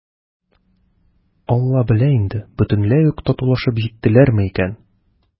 «алла белә инде, бөтенләй үк татулашып җиттеләрме икән?»